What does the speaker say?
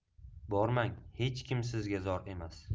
bormang hech kim sizga zor emas